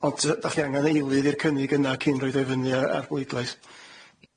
Ond yy dach chi angan eilydd i'r cynnig yna cyn roid o i fyny a- a'r bwydlais.